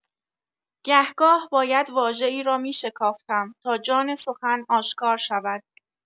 گه‌گاه باید واژه‌ای را می‌شکافتم تا جان سخن آشکار شود.